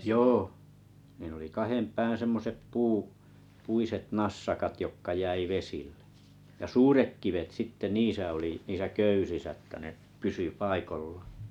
joo ne oli kahden pään semmoiset - puiset nassakat jotka jäi vesille ja suuret kivet sitten niissä oli niissä köysissä että ne pysyi paikoillaan